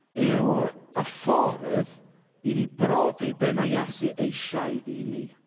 yYw y ffordd i ni brofi be ma' Iesu eisiau i ni.